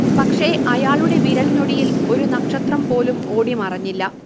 പക്ഷേ, അയാളുടെ വിരൽഞൊടിയിൽ ഒരു നക്ഷത്രംപോലും ഓടിമറഞ്ഞില്ല